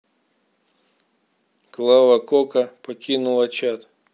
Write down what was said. клава кока покинула чат